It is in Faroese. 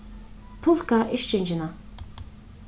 tulka yrkingina